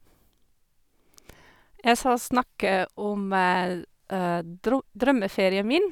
Jeg skal snakke om dro drømmeferien min.